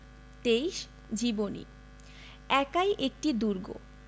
২৩ জীবনী একাই একটি দুর্গ